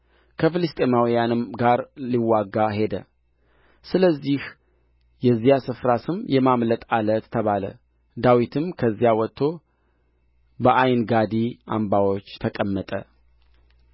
ከፍልስጥኤማውያንም ጋር ሊዋጋ ሄደ ስለዚህ የዚህ ስፍራ ስም የማምለጥ ዓለት ተባለ ዳዊትም ከዚያ ወጥቶ በዓይንጋዲ አምባዎች ተቀመጠ